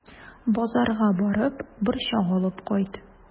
Базарга барып, борчак алып кайт.